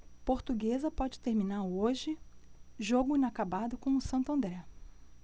portuguesa pode terminar hoje jogo inacabado com o santo andré